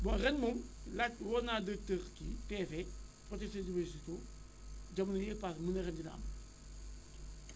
bon ren moom laaj woo naa directeur kii PEV protection des végétaux jamono yële paase mu ne ren dina am